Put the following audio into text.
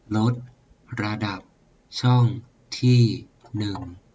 ลดระดับช่องที่หนึ่ง